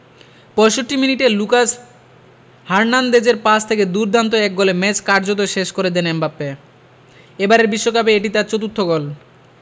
৬৫ মিনিটে লুকাস হার্নান্দেজের পাস থেকে দুর্দান্ত এক গোলে ম্যাচ কার্যত শেষ করে দেন এমবাপ্পে এবারের বিশ্বকাপে এটি তার চতুর্থ গোল